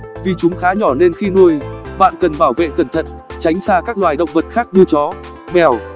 vì chúng khá nhỏ nên khi nuôi bạn cần bảo vệ cẩn thận tránh xa các loài động vật khác như chó mèo